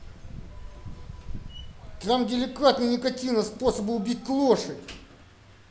там деликатный никотина способны убить лошадь